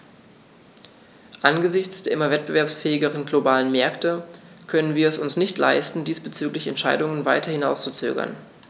Angesichts der immer wettbewerbsfähigeren globalen Märkte können wir es uns nicht leisten, diesbezügliche Entscheidungen weiter hinauszuzögern.